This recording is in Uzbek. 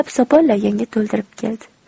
sopol laganga to'ldirib keldi